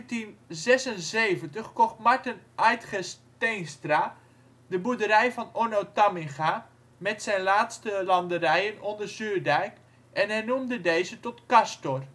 In 1776 kocht Marten Aedsges Teenstra de boerderij van Onno Tamminga (met zijn laatste landerijen onder Zuurdijk) en hernoemde deze tot Castor